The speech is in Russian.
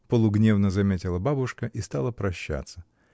— полугневно заметила бабушка и стала прощаться.